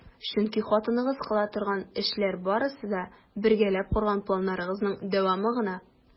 Чөнки хатыныгыз кыла торган эшләр барысы да - бергәләп корган планыгызның дәвамы гына!